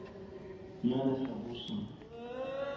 Миңа нәрсә булыр соң